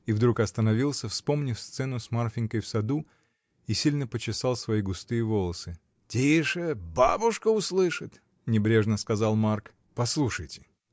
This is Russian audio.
И вдруг остановился, вспомнив сцену с Марфинькой в саду, и сильно почесал свои густые волосы. — Тише, бабушка услышит! — небрежно сказал Марк. — Послушайте!.